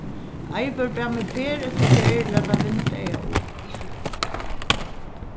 eivør bað meg ferð eftir ferð lata vindeygað upp